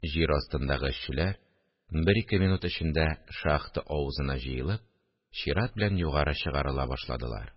Җир астындагы эшчеләр, бер-ике минут эчендә шахта авызына җыелып, чират белән югары чыгарыла башладылар